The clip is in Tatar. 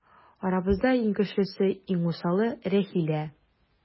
Арабызда иң көчлесе, иң усалы - Рәхилә.